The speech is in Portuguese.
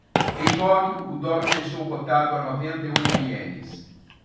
em tóquio o dólar fechou cotado a noventa e oito ienes